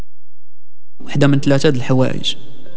وحده من ثلاجات الحوائج